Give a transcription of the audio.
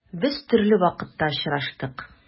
Без төрле вакытта очраштык.